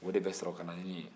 o de bɛ sɔrɔ ka na ni nin ye